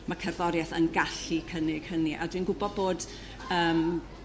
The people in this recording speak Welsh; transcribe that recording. ma' cerddori'eth yn gallu cynnig hynny a dw i'n gwybo' bod yrm